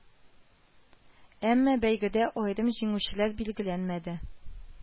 Әмма бәйгедә аерым җиңүчеләр билгеләнмәде